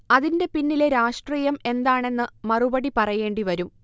അതിന്റെ പിന്നിലെ രാഷ്ട്രീയം എന്താണെന്ന് മറുപടി പറയേണ്ടി വരും